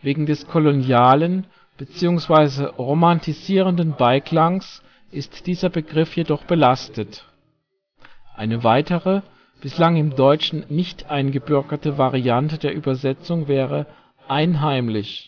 Wegen des kolonialen bzw. romantisierenden Beiklangs ist dieser Begriff jedoch belastet. (Eine weitere, bislang im Deutschen nicht eingebürgerte Variante der Übersetzung wäre " einheimisch